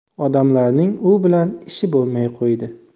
odamlarning u bilan ishi bo'lmay qo'ydi